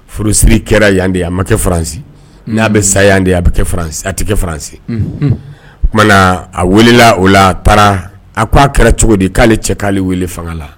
Furusi kɛra yan de a ma kɛ faranse n' a bɛ saya yan de ye a bɛ kɛran a tɛ kɛ faranse o kumana a wulilala o la para a k ko' a kɛra cogo di k'ale cɛ k'ale weele fanga la